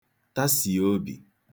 Tasie obi.